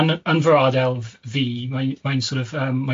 Yn yn fy ardal ff- fi, mae mae'n sor' of yym mae